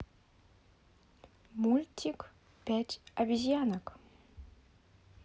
мультик пять обезьянок